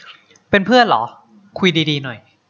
เป็นเพื่อนเหรอคุยดีดีหน่อย